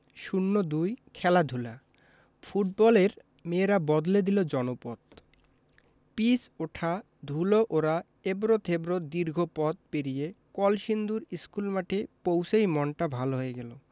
০২ খেলাধুলা ফুটবলের মেয়েরা বদলে দিল জনপদ পিচ ওঠা ধুলো ওড়া এবড়োথেবড়ো দীর্ঘ পথ পেরিয়ে কলসিন্দুর স্কুলমাঠে পৌঁছেই মনটা ভালো হয়ে গেল